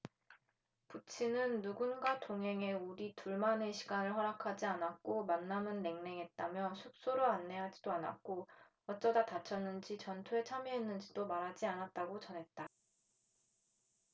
부친은 누군가 동행해 우리 둘만의 시간을 허락하지 않았고 만남은 냉랭했다며 숙소로 안내하지도 않았고 어쩌다 다쳤는지 전투에 참여했는지도 말하지 않았다고 전했다